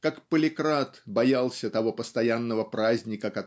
Как Поликрат боялся того постоянного праздника